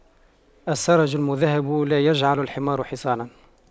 السَّرْج المُذهَّب لا يجعلُ الحمار حصاناً